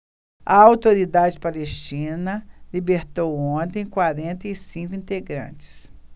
a autoridade palestina libertou ontem quarenta e cinco integrantes